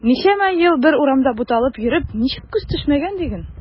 Ничәмә ел бер урамда буталып йөреп ничек күз төшмәгән диген.